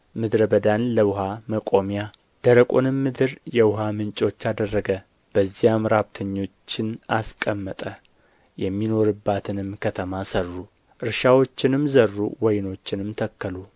ምድረ በዳን ለውኃ መቆሚያ ደረቁንም ምድር የውኃ ምንጮች አደረገ በዚያም ራብተኞችን አስቀመጠ የሚኖርባትንም ከተማ ሠሩ እርሻዎችንም ዘሩ ወይኖችንም ተከሉ